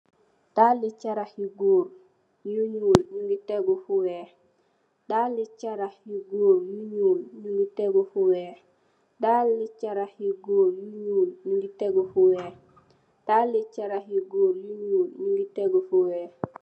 Dalli carax yu gór yu ñuul ñugi tégu fu wèèx.